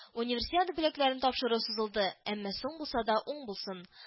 – универсиада бүләкләрен тапшыру сузылды, әмма соң булса да уң булсын